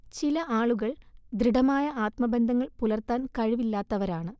ചില ആളുകൾ ദൃഢമായ ആത്മബന്ധങ്ങൾ പുലർത്താൻ കഴിവില്ലാത്തവരാണ്